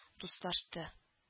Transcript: Дуслашты